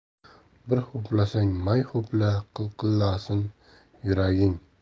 bir ho'plasang may ho'pla qilqillasin yuraging